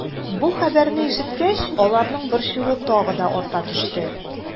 Бу хәбәрне ишеткәч, аларның борчуы тагы да арта төште.